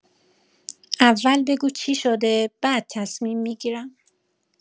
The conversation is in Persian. اول بگو چی شده بعد تصمیم می‌گیرم